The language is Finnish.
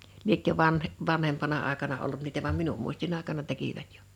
lieneekö - vanhempana aikana ollut niitä vaan minun muistini aikana tekivät jo